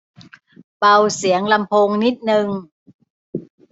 เบาเสียงลำโพงนิดนึง